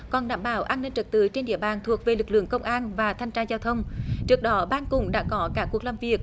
còn đảm bảo an ninh trật tự trên địa bàn thuộc về lực lượng công an và thanh tra giao thông trước đó ban cũng đã có các cuộc làm việc